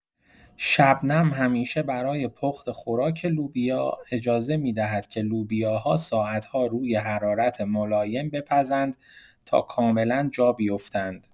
شبنم همیشه برای پخت خوراک لوبیا، اجازه می‌دهد که لوبیاها ساعت‌ها روی حرارت ملایم بپزند تا کاملا جا بیفتند.